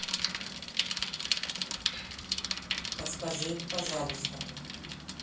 подскажи пожалуйста